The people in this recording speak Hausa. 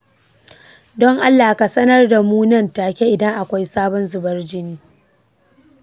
don allah ka sanar da mu nan take idan akwai sabon zubar jini.